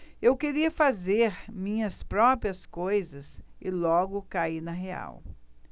eu queria fazer minhas próprias coisas e logo caí na real